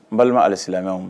N balima ali silamɛmɛw